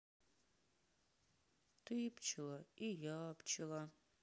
ты пчела и я пчела